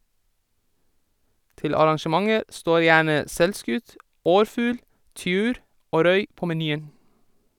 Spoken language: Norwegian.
Til arrangementer står gjerne selvskutt orrfugl, tiur og røy på menyen.